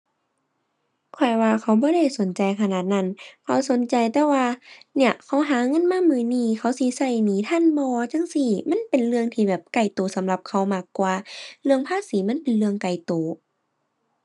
ข้อยว่าเขาบ่ได้สนใจขนาดนั้น เขาสนใจแต่ว่า เนี่ย เขาหาเงินมามื้อนี้ เขาสิใช้หนี้ทันบ่ จั่งซี้ มันเป็นเรื่องที่แบบใกล้ใช้สำหรับเขามากกว่า เรื่องภาษีมันเป็นเรื่องไกลใช้